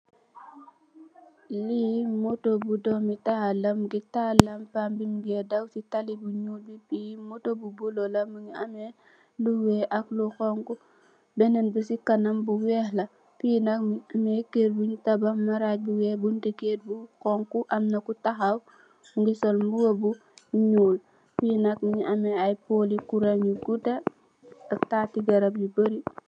Lee motou bu dome tahal la muge taal lampam be muge daw se talih bu nuul be fee motou bu bulo la muge ameh lu weex ak lu xonxo benen buse kanam bu weex la fee nak muge ameh kerr bun tabax marag bu weex bunte kerr bu xonxo amna ku tahaw muge sol muba bu nuul fee nak muge ameh aye pole curang yu gouda ak tate garab yu bory.